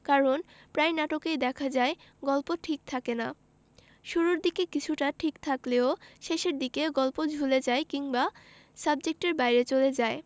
কারণ প্রায় নাটকেই দেখা যায় গল্প ঠিক থাকে না শুরুর দিকে কিছুটা ঠিক থাকলেও শেষের দিকে গল্প ঝুলে যায় কিংবা সাবজেক্টের বাইরে চলে যায়